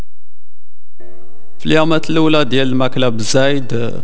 اليوم الاولاد يا المكلا بزايد